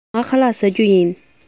ངས ཁ ལག བཟས མེད